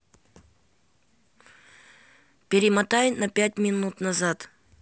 перемотай на пять минут назад